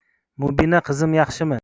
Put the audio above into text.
mubina qizim yaxshimi